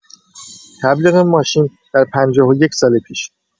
تبلیغ ماشین در ۵۱ سال پیش.